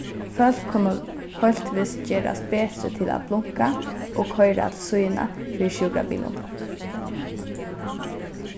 fólk kunnu heilt víst gerast betri til at blunka og koyra til síðuna fyri sjúkrabilum